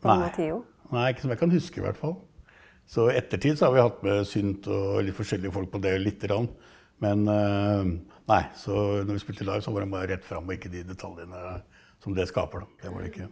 nei nei ikke som jeg kan huske i hvert fall, så i ettertid så har vi hatt med synt og litt forskjellige folk på det lite grann, men nei så når vi spilte live så var dem bare rett fram og ikke de detaljene som det skaper da, det var det ikke.